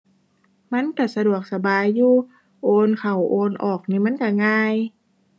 มันก็สะดวกสบายอยู่ โอนเข้าโอนออกนี่มันก็ง่าย